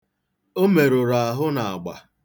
O merụrụ ahụ n'agba.